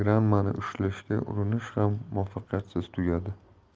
granma ni ushlashga urinish ham muvaffaqiyatsiz tugadi